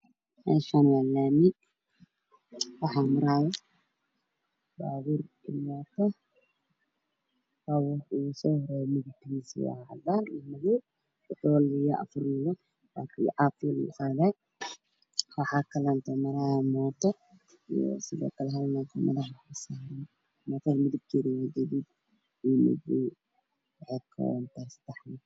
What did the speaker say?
Meeshani waa laami waxaa marayo babaur midabkodu yahay cadaan iyo gudud iyo mooto